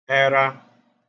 ẹra